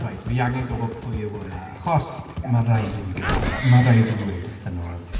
Reit, fi angen gwybod pwy yw hwnna, achos ma' raid i fi gyfadde, ma raid i fi weud wrthyn nhw...